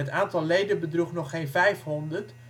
aantal leden bedroeg nog geen vijfhonderd